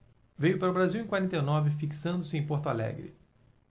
veio para o brasil em quarenta e nove fixando-se em porto alegre